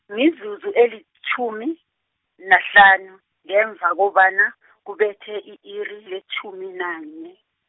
mizuzu elitjhumi, nahlanu, ngemva kobana , kubethe i-iri, letjhumi nanye.